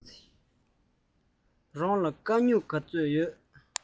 རང ལ སྐམ སྨྱུག ཡོད པས